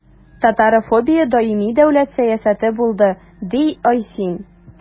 Татарофобия даими дәүләт сәясәте булды, – ди Айсин.